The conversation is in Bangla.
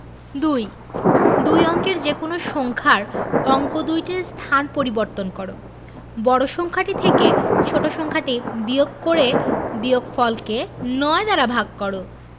২ দুই অঙ্কের যেকোনো সংখ্যার অঙ্ক দুইটির স্থান পরিবর্তন কর বড় সংখ্যাটি থেকে ছোট ছোট সংখ্যাটি বিয়োগ করে বিয়োগফলকে ৯ দ্বারা ভাগ দাও